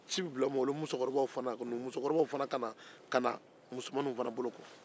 ci bɛ bila olu musokɔrɔbaw numumusokɔrɔbaw fana ka na ka na musomanninw fana bolo ko